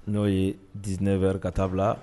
N'o ye 19 heures ka taa bila